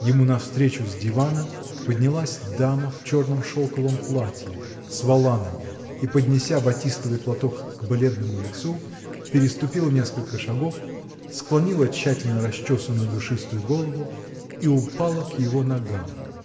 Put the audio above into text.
Ему навстречу с дивана поднялась дама в черном шелковом платье с воланами и, поднеся батистовый платок к бледному лицу, переступила несколько шагов, склонила тщательно расчесанную душистую голову -- и упала к его ногам.